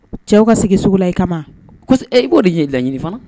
Cɛw ka sigi sugu la i kama i b'o de ye laɲini fana